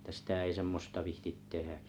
että sitä ei semmoista viitsi tehdä